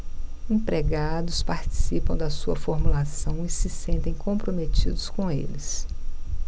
empregados participam da sua formulação e se sentem comprometidos com eles